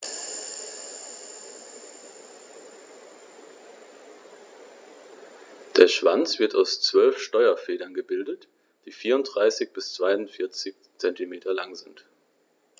Der Schwanz wird aus 12 Steuerfedern gebildet, die 34 bis 42 cm lang sind.